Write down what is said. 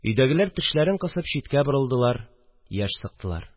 Өйдәгеләр тешләрен кысып читкә борылдылар, яшь сыктылар